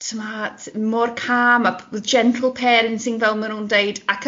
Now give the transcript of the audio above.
ti'bod mor calm a gentle parenting, fel ma' nhw'n deud.